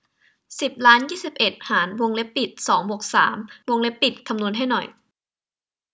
สิบล้านยี่สิบเอ็ดหารวงเล็บเปิดสองบวกสามวงเล็บปิดคำนวณให้หน่อย